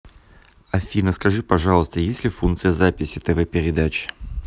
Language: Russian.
афина скажи пожалуйста есть ли функция записи тв передач